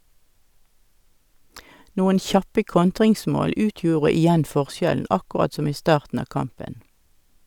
Noen kjappe kontringsmål utgjorde igjen forskjellen, akkurat som i starten av kampen.